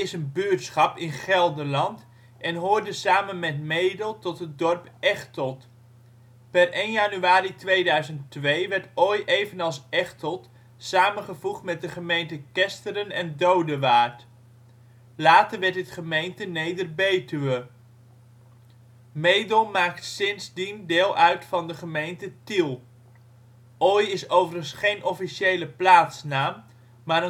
buurtschap in Gelderland en hoorde samen met Medel tot het dorp Echteld. Per 1 januari 2002 werd Ooij evenals Echteld samengevoegd met de gemeenten Kesteren en Dodewaard. Later werd dit gemeente Neder-Betuwe. Medel maakt sindsdien deel uit van de gemeente Tiel. Ooij is overigens geen officiële plaatsnaam maar